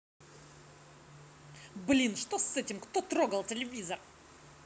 блин что с этим кто трогал телевизор